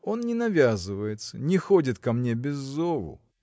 Он не навязывается, не ходит ко мне без зову